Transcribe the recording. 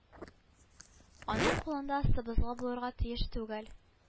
Аның кулында сыбызгы булырга тиеш түгел